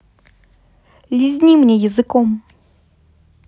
лизни мне языком